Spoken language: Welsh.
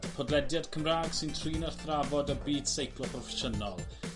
...podlediad Cymra'g sy'n trin a thrafod y seiclo proffesiynol.